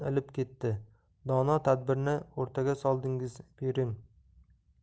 ilib ketdi dono tadbirni o'rtaga soldingiz pirim